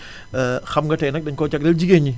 xam nga tay nag dañu ko jagleel jigéen ñi